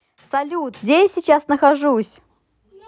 салют где я сейчас нахожусь